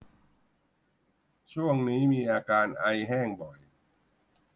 ช่วงนี้มีอาการไอแห้งบ่อย